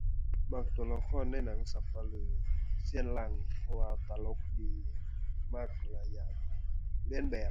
มักตัวละครในหนังสัปเหร่อ เซียนหรั่ง เพราะว่าตลกดี มักหลาย อยากเลียนแบบ